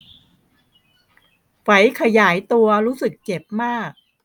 ไฝขยายตัวรู้สึกเจ็บมาก